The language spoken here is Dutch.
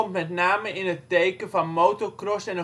met name in het teken van motorcross en